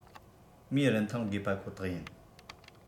མིའི རིན ཐང དགོས པ ཁོ ཐག ཡིན